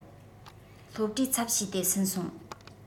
སློབ གྲྭའི ཚབ བྱས ཏེ ཟིན སོང